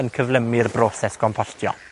yn cyflymu'r broses gompostio.